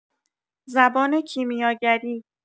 زبان کیمیاگری